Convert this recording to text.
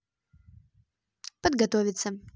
подготовиться